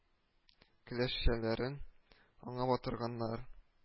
Келәшчәләрен аңа батырганнар